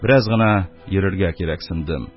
Бераз гына йөрергә кирәксендем...